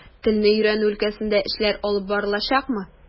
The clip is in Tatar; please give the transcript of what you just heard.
Телне өйрәнү өлкәсендә эшләр алып барылачакмы?